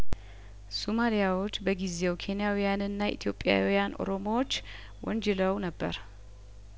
ሱማሊያዎች በጊዜው ኬንያውያንና የኢትዮጵያዊያን ኦሮሞዎች ወንጅለው ነበር